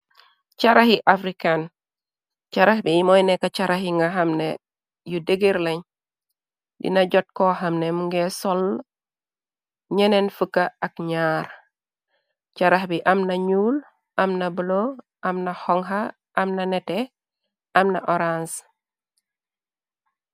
Charax yi african charax bi yi mooy nekka charax yi nga xamne yu degerlañ dina jot ko xamne mungee soll ñyeneen fëkka ak ñaar charax bi am na ñuul am na blo amna xonha amna nete amna orange.